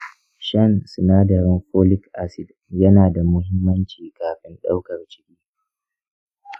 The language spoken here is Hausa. shan sinadarin folic acid yana da muhimmanci kafin ɗaukar ciki.